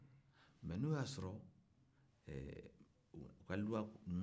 mais n'o ya sɔrɔ ɛɛ u loi ninnu bɛ yan